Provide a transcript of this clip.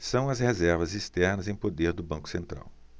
são as reservas externas em poder do banco central